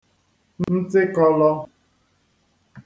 ntịkọ̄lọ̄